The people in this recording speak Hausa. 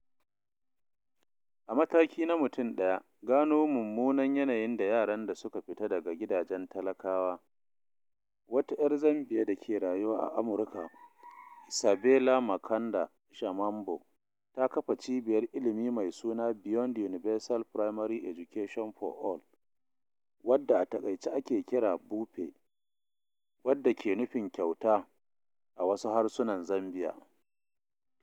A mataki na mutum daya, gano mummunan yanayin da yaran da suka fito daga gidajen talakawa, wata 'yar Zambiya da ke rayuwa a Amurka, Isabella Mukanda Shamambo, ta kafa cibiyar ilimi mai suna Beyond Universal Primary Education for All, wadda a taƙaice ake kira, BUPE (wanda ke nufin “kyauta” a wasu harsunan Zambiya).